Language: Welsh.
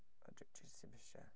A dwi dwi jyst ddim isie.